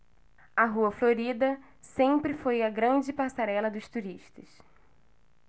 a rua florida sempre foi a grande passarela dos turistas